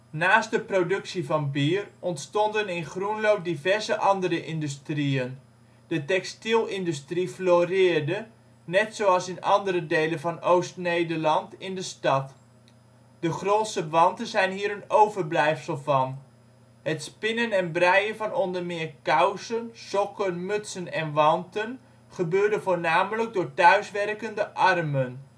Naast de productie van bier ontstond in Groenlo diverse andere industrieën. De textielindustrie floreerde, net zoals in andere delen van Oost-Nederland, in de stad. De grolse wanten zijn hier een overblijfsel van. Het spinnen en breien van onder meer kousen, sokken, mutsen en wanten gebeurde voornamelijk door thuiswerkende armen